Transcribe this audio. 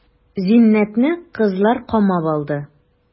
Зиннәтне кызлар камап алды.